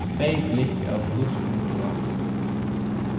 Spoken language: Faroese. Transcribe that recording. tvey blikk av flustum tomatum